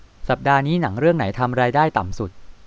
สัปดาห์นี้หนังเรื่องไหนทำรายได้ต่ำสุด